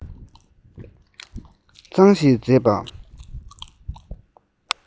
གཙང ཞིང མཛེས པ